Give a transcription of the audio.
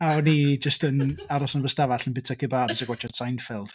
A o'n i jyst yn aros yn fy ystafell yn byta kebabs a gwatsiad Seinfeld.